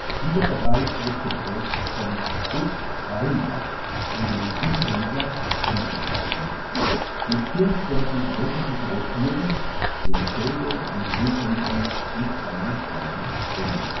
Dieser Bereich wird geprägt vom „ Obstfreimarkt “, in dem sieben Händler (immer die gleichen) mit Schirmständen wöchentlich rotieren, den Käse - und Wildhändlern und einem kleinen Brunnen